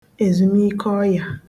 èzùmikeọyà